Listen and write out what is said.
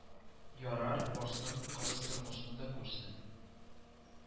Ярар, барсын, кырыс тормышны да күрсен